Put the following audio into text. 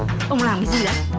ông làm cái gì đấy